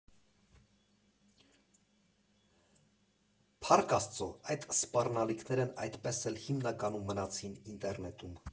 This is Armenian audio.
Փառք Աստծո, այդ սպառնալիքներն այդպես էլ հիմնականում մնացին ինտերնետում։